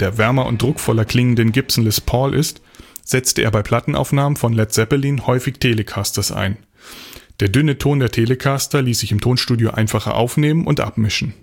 wärmer und druckvoller klingenden Gibson Les Paul ist, setzte er bei Plattenaufnahmen von Led Zeppelin häufig Telecasters ein: Der dünne Ton der Telecaster ließ sich im Tonstudio einfacher aufnehmen und abmischen